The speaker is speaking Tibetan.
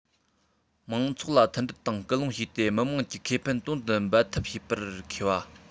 མང ཚོགས ལ མཐུན སྒྲིལ དང སྐུལ སློང བྱས ཏེ མི དམངས ཀྱི ཁེ ཕན དོན དུ འབད འཐབ བྱེད པར མཁས པ